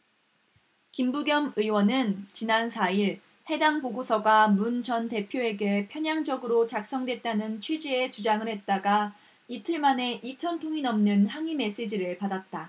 김부겸 의원은 지난 사 일 해당 보고서가 문 전 대표에게 편향적으로 작성됐다는 취지의 주장을 했다가 이틀 만에 이천 통이 넘는 항의 메시지를 받았다